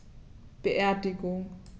Beerdigung